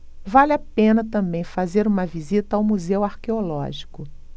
vale a pena também fazer uma visita ao museu arqueológico